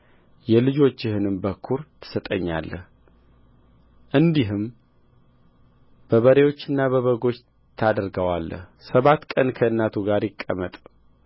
የልጆችህንም በኵር ትሰጠኛለህ እንዲህም በበሬዎችህና በበጎችህ ታደርገዋለህ ሰባት ቀን ከእናቱ ጋር ይቀመጥ